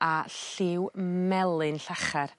a lliw melyn llachar.